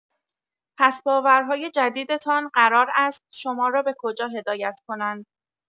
پس باورهای جدیدتان قرار است شما را به کجا هدایت کنند؟